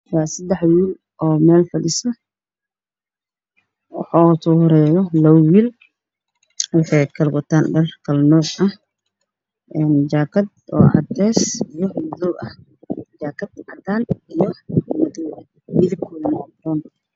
Waa seddex wiil oo meel fadhiso waxaa ugu soo horeeyo labo wiil oo kale wato dhar kale nuuc ah jaakad cadeys iyo madow ah, jaakad cadaan iyo madow ah midabkoodu waa baroon.